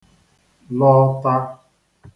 lọta